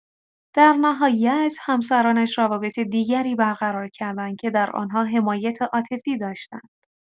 در نهایت همسرانش روابط دیگری برقرار کردند که در آن‌ها حمایت عاطفی داشتند.